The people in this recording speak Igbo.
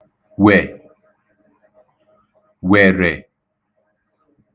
wè(rè)